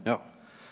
ja.